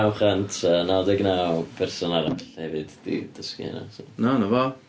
naw chant a naw deg naw person arall hefyd 'di dysgu hynna, so... wel, 'na fo.